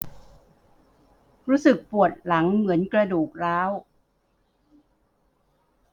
รู้สึกปวดหลังเหมือนกระดูกร้าว